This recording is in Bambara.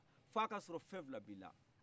fɔ a ka sɔrɔ fɛn fila bɛ i la